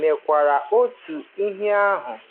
mekwara otu ihe ahụ.